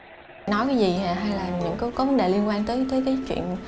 nói cái gì hay là những vấn đề liên quan tới tới cái chuyện